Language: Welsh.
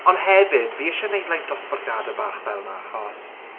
Ond hefyd fi isie wneud like dosbarthiadau bach fel 'na achos...